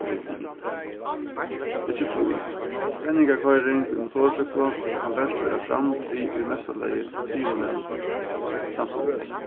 er liðin stykki trý venjingarkoyring við motorsúkklu kann bert verða framd við í mesta lagi trimum næmingum samstundis